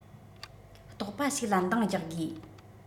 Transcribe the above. རྟོགས པ ཞིག ལ འདང རྒྱག དགོས